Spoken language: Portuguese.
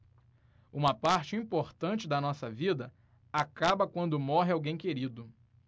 uma parte importante da nossa vida acaba quando morre alguém querido